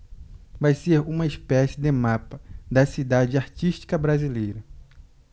vai ser uma espécie de mapa da cidade artística brasileira